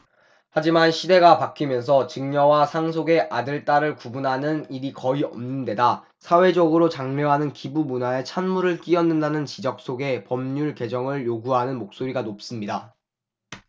하지만 시대가 바뀌면서 증여와 상속에 아들 딸을 구분하는 일이 거의 없는데다 사회적으로 장려하는 기부문화에 찬물을 끼얹는다는 지적 속에 법률 개정을 요구하는 목소리가 높습니다